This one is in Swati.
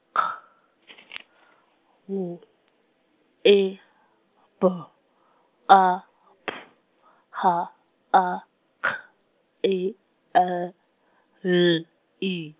K , W, E, B , A, P, H, A, K, E, L, L, I.